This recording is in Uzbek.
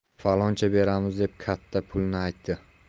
faloncha beramiz deb katta pulni aytdi